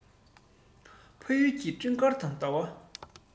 ཕ ཡུལ གྱི སྤྲིན དཀར དང ཉི ཟླ